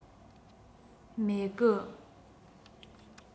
མེད གི